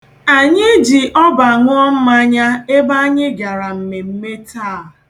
Anyị ji ọba ṅụọ mmanya ebe anyị gara mmemme taa.